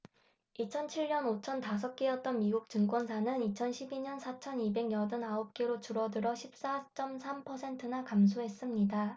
이천 칠 년 오천 다섯 개였던 미국 증권사는 이천 십 이 년 사천 이백 여든 아홉 개로 줄어 십 사 쩜 삼 퍼센트나 감소했습니다